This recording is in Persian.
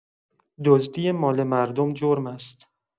دزدی مال مردم جرم است.